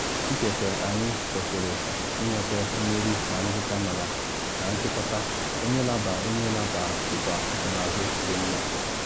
Ikekwe anyị kwesịrị ịnweta mmeri na ngwụcha mana, na nchịkọta, onye laba onye laba bụkwa nsonaazụ dị mma.